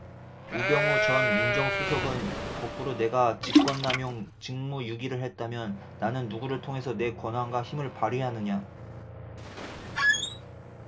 우병우 전 민정수석은 거꾸로 내가 직권남용 직무유기를 했다면 나는 누구를 통해서 내 권한과 힘을 발휘하느냐